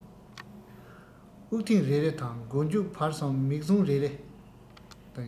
དབུགས ཐེངས རེ རེ དང མགོ མཇུག བར གསུམ མིག བཟུང རེ རེ